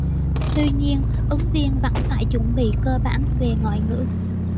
tuy nhiên ứng viên vẫn phải chuẩn bị cơ bản về ngoại ngữ